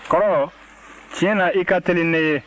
kɔrɔ tiɲɛ na i ka teli ne ye